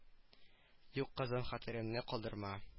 Юк кызым хәтеремне калдырма